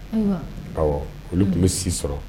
Aw olu kun bi si sɔrɔ.